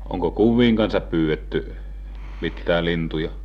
onko kuvien kanssa pyydetty mitään lintuja